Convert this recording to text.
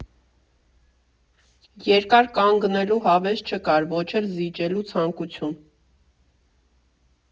Երկար կանգնելու հավես չկար, ոչ էլ՝ զիջելու ցանկություն։